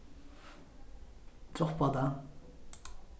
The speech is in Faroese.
droppa tað